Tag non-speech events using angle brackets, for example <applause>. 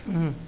<hesitation> <hesitation>